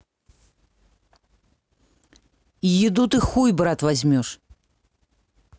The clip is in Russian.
еду ты хуй брат возьмешь